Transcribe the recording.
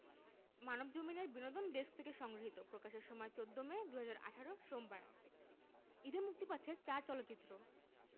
মানবজমিন এর বিনোদন ডেস্ক থেকে সংগৃহীত প্রকাশের সময় ১৪ মে ২০১৮ সোমবার ঈদে মুক্তি পাচ্ছে চার চলচ্চিত্র